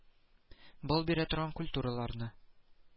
Бал бирә торган культураларны